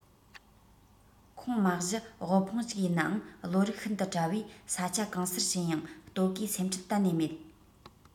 ཁོང མ གཞི དབུལ ཕོངས ཅིག ཡིན ནའང བློ རིག ཤིན ཏུ བཀྲ བས ས ཆ གང སར ཕྱིན ཡང ལྟོ གོས སེམས ཁྲལ གཏན ནས མེད